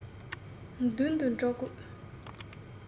མདུན དུ འགྲོ དགོས